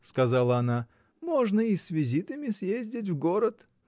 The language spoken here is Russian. — сказала она, — можно и с визитами съездить в город.